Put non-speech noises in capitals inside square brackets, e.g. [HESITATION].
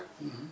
[HESITATION] [HESITATION]